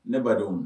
Ne ba